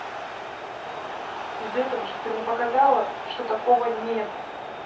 из этого что ты мне показала что такого нету